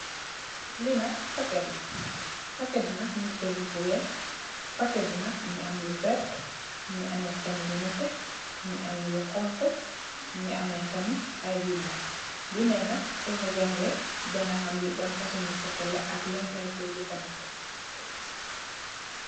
Li nak pakèt la, pakèt bi nak mungi tégu fu weeh. Pakèt bi nak am lu vert, mungi ameh tamit lu nètè, mungi ameh lu honku, mungi tamit ay binda. Binda yi nak soko jàng ngè daga ham li ban fasungi pakèt la ak lan leen koy jafadeko.